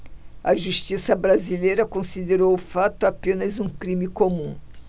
a justiça brasileira considerou o fato apenas um crime comum